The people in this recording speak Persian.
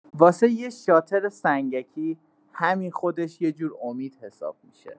واسه یه شاطر سنگکی، همین خودش یه جور امید حساب می‌شه.